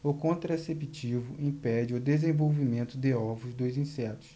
o contraceptivo impede o desenvolvimento de ovos dos insetos